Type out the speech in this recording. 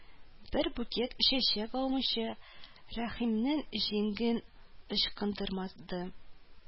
Бер букет чәчәк алмыйча хәкимнең җиңен ычкындырмады